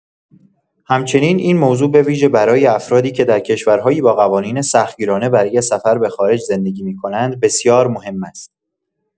همچنین، این موضوع به‌ویژه برای افرادی که در کشورهایی با قوانین سختگیرانه برای سفر به خارج زندگی می‌کنند، بسیار مهم است.